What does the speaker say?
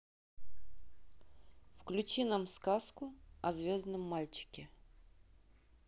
включи нам сказку о звездном мальчике